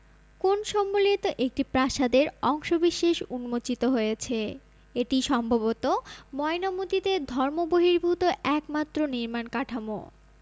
কোণ সম্বলিত একটি প্রাসাদের অংশবিশেষ উন্মোচিত হয়েছে এটিই সম্ভবত ময়নামতীতে ধর্মবহির্ভূত একমাত্র নির্মাণ কাঠামো